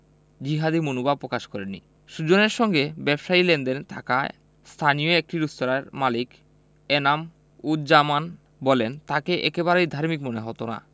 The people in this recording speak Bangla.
জিহাদি মনোভাব প্রকাশ করেননি সুজনের সঙ্গে ব্যবসায়ি লেনদেন থাকা স্থানীয় একটি রেস্তোরাঁর মালিক এনাম উজজামান বলেন তাঁকে একেবারেই ধার্মিক মনে হতো না